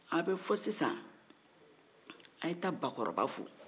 a bɛ fɔ sisa